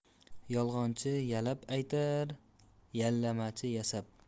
yolg'onchi yalab aytar yalamachi yasab